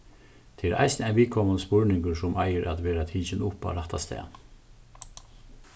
tað er eisini ein viðkomandi spurningur sum eigur at verða tikin upp á rætta stað